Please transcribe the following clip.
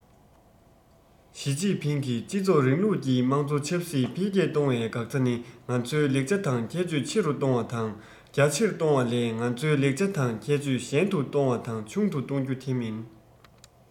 ཞིས ཅིན ཕིང གིས སྤྱི ཚོགས རིང ལུགས ཀྱི དམངས གཙོ ཆབ སྲིད འཕེལ རྒྱས གཏོང བའི འགག རྩ ནི ང ཚོའི ལེགས ཆ དང ཁྱད ཆོས ཆེ རུ གཏོང བ དང རྒྱ ཆེར གཏོང བ ལས ང ཚོའི ལེགས ཆ དང ཁྱད ཆོས ཞན དུ གཏོང བ དང ཆུང དུ གཏོང རྒྱུ དེ མིན